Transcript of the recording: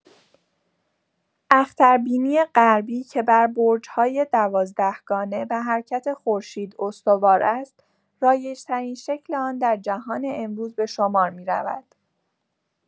اختربینی غربی که بر برج‌های دوازده‌گانه و حرکت خورشید استوار است، رایج‌ترین شکل آن در جهان امروز به شمار می‌رود.